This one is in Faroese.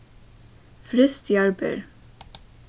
fryst jarðber